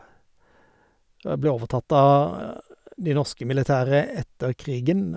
Det ble overtatt av de norske militære etter krigen.